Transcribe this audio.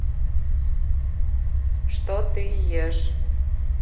что ты ешь